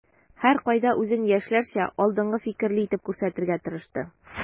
Һәркайда үзен яшьләрчә, алдынгы фикерле итеп күрсәтергә тырышты.